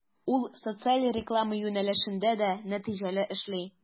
Ул социаль реклама юнәлешендә дә нәтиҗәле эшли.